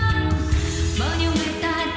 lang